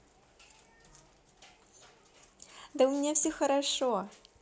да у меня все хорошо